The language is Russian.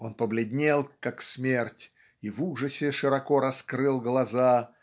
он побледнел как смерть и в ужасе широко раскрыл глаза.